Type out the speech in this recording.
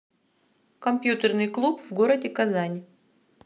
компьютерный клуб в городе казань